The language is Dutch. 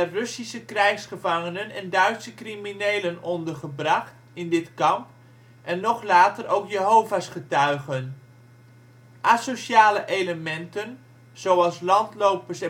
Russische krijgsgevangenen en Duitse criminelen ondergebracht in dit kamp, en nog later ook Jehova 's getuigen, " asociale elementen " zoals landlopers